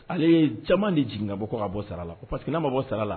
Ale ye jama de jigin ka bɔ kɔ ka bɔ sara la pa parcesekeina ma bɔ sara la